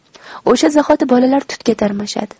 o'sha zahoti bolalar tutga tarmashadi